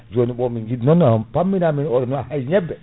joni bon min jidno pammina min hay ñebe